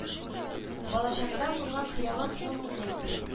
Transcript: Балачактан булган хыялым ул минем ди